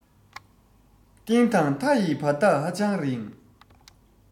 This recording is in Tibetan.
གཏིང དང མཐའ ཡི བར ཐག ཧ ཅང རིང